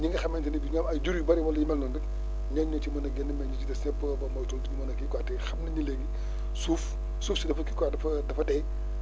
ñi nga xamante ni bi ñoo am ay jur yu bëri wala yu mel noonu rek ñoom ñoo ci mën a génn mais ñi ci des yëpp boo moytuwul du ñu mën a kii quoi te xam nañ ne léegi suuf suuf bi dafa kii quoi dafa dafa dee